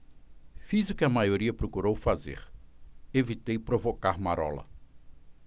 fiz o que a maioria procurou fazer evitei provocar marola